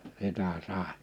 sitä sai